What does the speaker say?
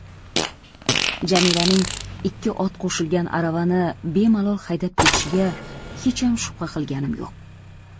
jamilaning ikki ot qo'shilgan aravani bemalol haydab ketishiga hech ham shubha qilganim yo'q